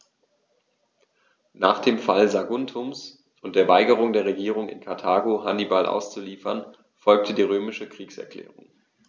Nach dem Fall Saguntums und der Weigerung der Regierung in Karthago, Hannibal auszuliefern, folgte die römische Kriegserklärung.